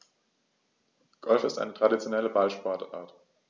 Golf ist eine traditionelle Ballsportart.